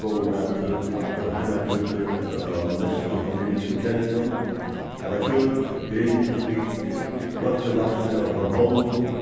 góður matur allur heimagjørdur ella frá næstu familju og kenningum har var kjøt grind og spik royktur laksur av bornholm